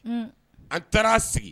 A taara' a sigi